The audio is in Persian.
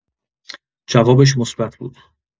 جوابش مثبت بود.